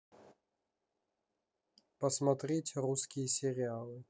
посмотреть русские сериалы